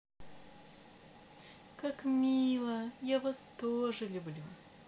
как мило я вас тоже люблю